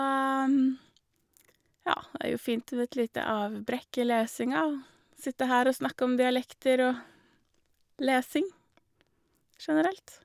Ja, er jo fint med et lite avbrekk i lesinga og sitte her og snakke om dialekter og lesing generelt.